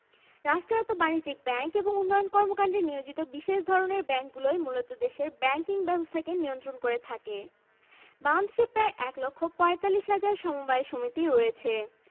এখানকার প্লাবনভূমি এলাকায় অত্যল্প গভীরতাতেই ভূগর্ভস্থ পানি পাওয়া যায় তুলনামূলক উঁচু সোপান এলাকা অর্থাৎ বরেন্দ্রভূমি ও মধুপুরগড় এলাকায়